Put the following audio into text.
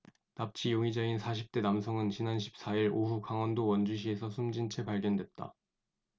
납치 용의자인 사십 대 남성은 지난 십 사 일 오후 강원도 원주시에서 숨진채 발견됐다